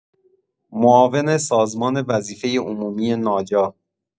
معاون سازمان وظیفه عمومی ناجا